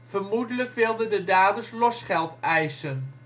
Vermoedelijk wilden de daders losgeld eisen